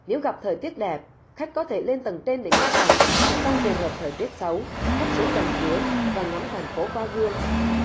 nếu gặp thời tiết đẹp khác có thể lên tầng trên để ngắm cảnh trong trường hợp thời tiết xấu khách xuống tầng dưới và ngắm thành phố qua gương